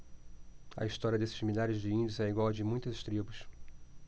a história desses milhares de índios é igual à de muitas tribos